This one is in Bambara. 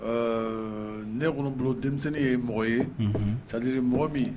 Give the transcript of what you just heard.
Ɔɔ ne kɔnni bolo denmisɛnnin ye mɔgɔ ye ,unhun, c'est à dire mɔgɔ min